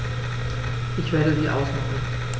Ich werde sie ausmachen.